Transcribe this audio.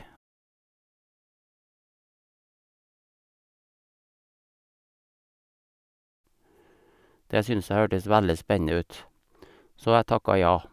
Det syns jeg hørtes veldig spennende ut, så jeg takka ja.